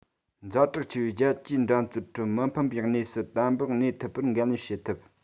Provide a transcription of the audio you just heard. ཛ དྲག ཆེ བའི རྒྱལ སྤྱིའི འགྲན རྩོད ཁྲོད མི ཕམ པའི གནས སུ བརྟན པོར གནས ཐུབ པར འགན ལེན བྱེད ཐུབ